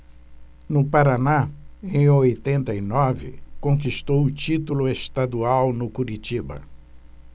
no paraná em oitenta e nove conquistou o título estadual no curitiba